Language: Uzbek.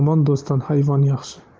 yomon do'stdan hayvon yaxshi